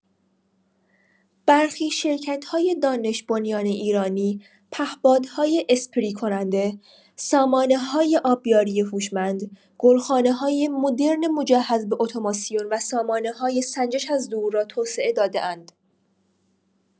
برخی شرکت‌های دانش‌بنیان ایرانی پهپادهای اسپری‌کننده، سامانه‌های آبیاری هوشمند، گلخانه‌های مدرن مجهز به اتوماسیون و سامانه‌های سنجش‌ازدور را توسعه داده‌اند.